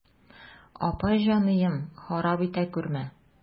Апа җаныем, харап итә күрмә.